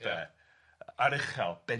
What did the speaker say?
de aruchel. Ia.